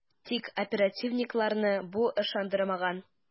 Тик оперативникларны бу ышандырмаган ..